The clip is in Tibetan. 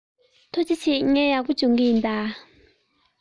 ཐུགས རྗེ ཆེ ངས ཡག པོ སྦྱོང གི ཡིན